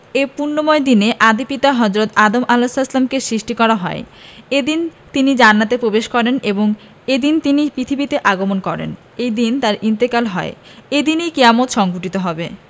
এ পুণ্যময় দিনে আদি পিতা হজরত আদম আ কে সৃষ্টি করা হয় এদিন তিনি জান্নাতে প্রবেশ করেন এবং এদিন তিনি পৃথিবীতে আগমন করেন এদিন তাঁর ইন্তেকাল হয় এদিনেই কিয়ামত সংঘটিত হবে